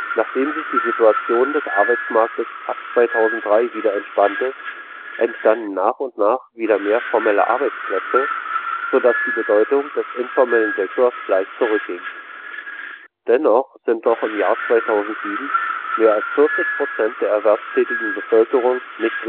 Nachdem sich die Situation des Arbeitsmarktes ab 2003 wieder entspannte, entstanden nach und nach wieder mehr formelle Arbeitsplätze, so dass die Bedeutung des informellen Sektors leicht zurückging. Dennoch sind noch im Jahr 2007 mehr als 40 % der erwerbstätigen Bevölkerung nicht